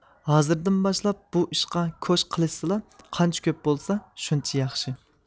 ھازىردىن باشلاپ بۇ ئىشقا كوش قىلىشسىلا قانچە كۆپ بولسا شۇنچە ياخشى